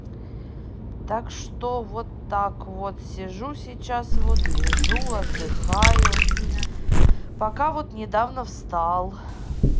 так что вот так вот сижу сейчас вот лежу отдыхаю пока вот недавно встал